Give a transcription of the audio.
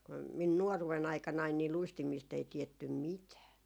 kun minun nuoruuden aikanani niin luistimista ei tiedetty mitään